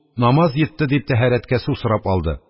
Намаз йитте, – дип, тәһарәткә су сорап алды.